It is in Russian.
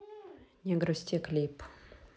не грусти клип